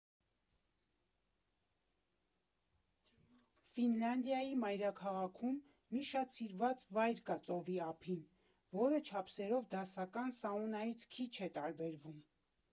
Ֆինլանդիայի մայրաքաղաքում մի շատ սիրված վայր կա ծովի ափին, որը չափսերով դասական սաունայից քիչ է տարբերվում։